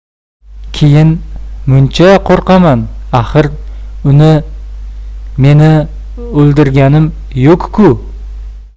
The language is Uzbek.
keyin muncha qurqaman axir uni meni uldirganim yuk ku